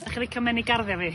Dach chi licio menig garddio fi?